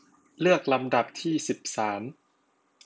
เลือกลำดับที่สิบสาม